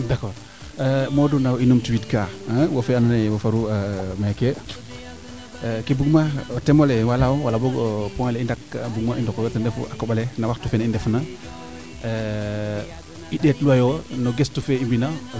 d' accord modou nawo i numtu wiid kaa a wo fe ando naye wo faru meeke ke bug ma theme ole wala boog o theme ole i ndaka bug ma i ndokoyo ten refu a koɓale no waxtu fene i ndefna i ndeet luwa yo no gestu fee i mbina